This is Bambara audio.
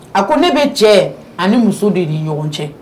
A ko ne bɛ cɛ ani muso de' ɲɔgɔn cɛ